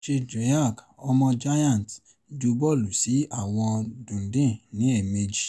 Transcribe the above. Patrick Dwyekr, ọmọ Giants, ju bọ́ọ̀lù sí àwọ̀n Dundee ní èèmejì